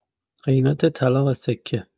قیمت طلا و سکه